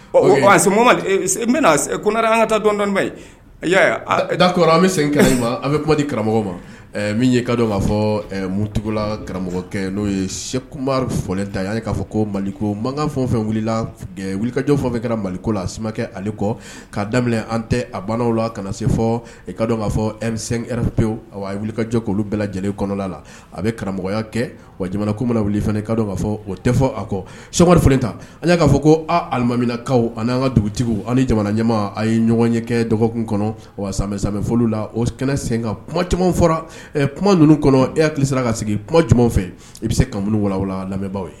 Ɔ o n bɛna ko an ka taa dɔn'a da an bɛ segin ma an bɛ kuma di karamɔgɔ ma min ka k'a fɔ mutigiwla karamɔgɔkɛ n'o ye sɛkuma fɔlen da yan k'a fɔ ko mali ko mankan fɛn wulikajɔ fɛ kɛra maliko la sikɛ ale kɔ k'a daminɛ an tɛ a bannaw la ka na se fɔ i ka k'a fɔp pe wulikajɔ olu bɛɛ lajɛlen kɔnɔ la a bɛ karamɔgɔya kɛ wa jamana ko wuli fana ka b'a fɔ o tɛ fɔ a kɔ sɛri ta an y''a fɔ kolimaminakaw ani an ka dugutigi ani jamana ɲɛmaa a ye ɲɔgɔn ɲɛ kɛ dɔgɔkun kɔnɔfolo la o kɛnɛ sen ka kuma caman fɔra kuma ninnu kɔnɔ e hakili sera ka sigi kuma fɛ i bɛ se kanu wala lamɛn ye